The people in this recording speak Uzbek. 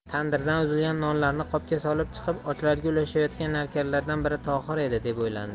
tandirdan uzilgan nonlarni qopga solib chiqib ochlarga ulashayotgan navkarlardan biri tohir edi deb o'ylandi